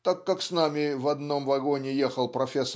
так как с нами в одном вагоне ехал проф.